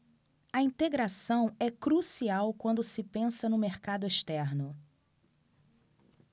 a integração é crucial quando se pensa no mercado externo